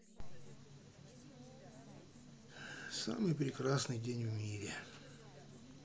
самый прекрасный день в мире